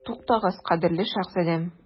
Туктагыз, кадерле шаһзадәм.